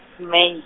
May.